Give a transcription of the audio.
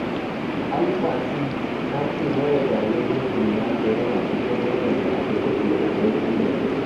Alpha Sy ta ce marigayi mijin nata yana cikin waɗanda aka kashe a 1990.